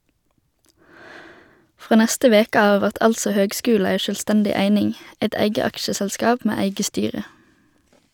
Frå neste veke av vert altså høgskulen ei sjølvstendig eining, eit eige aksjeselskap med eige styre.